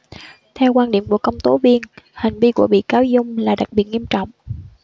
theo quan điểm của công tố viên hành vi của bị cáo dung là đặc biệt nghiêm trọng